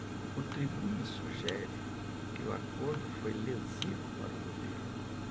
o tribune sugere que o acordo foi lesivo para o governo